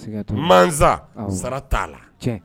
Sika t'o la, mnasa, u sara t'a la, tiɲɛn.